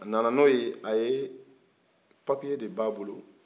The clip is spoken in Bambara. a nana n'o ye papiye de b'a bolo